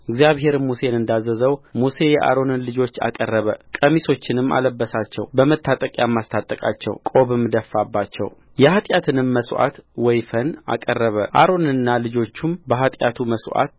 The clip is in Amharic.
እግዚአብሔርም ሙሴን እንዳዘዘው ሙሴ የአሮንን ልጆች አቀረበ ቀሚሶችንም አለበሳቸው በመታጠቂያም አስታጠቃቸው ቆብም ደፋባቸው የኃጢአትንም መሥዋዕት ወይፈን አቀረበ አሮንና ልጆቹም በኃጢአቱ መሥዋዕት